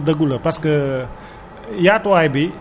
stock bi nga xam ne moom ngeen di am lan ngay tontu ci loolu